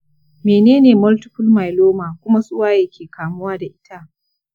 menene multiple myeloma kuma su waye ke kamuwa da ita?